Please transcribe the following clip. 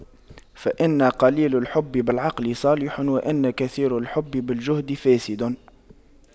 فإن قليل الحب بالعقل صالح وإن كثير الحب بالجهل فاسد